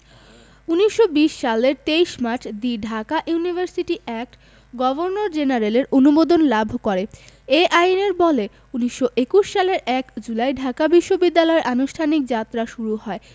১৯২০ সালের ২৩ March the Dhaka university act governor জেনারেলের অনুমোদন লাভ করে এ আইনের বলে ১৯২১ সালের ১ জুলাই ঢাকা বিশ্ববিদ্যালয়ের আনুষ্ঠানিক যাত্রা শুরু হয়